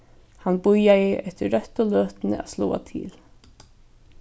hann bíðaði eftir røttu løtuni at sláa til